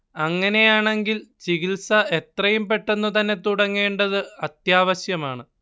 അങ്ങനെയാണെങ്കിൽ ചികിത്സ എത്രയും പെട്ടെന്നു തന്നെ തുടങ്ങേണ്ടത് അത്യാവശ്യമാണ്